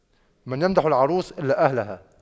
من يمدح العروس إلا أهلها